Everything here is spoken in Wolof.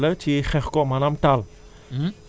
benn xeet la ci xeex ko maanaam taal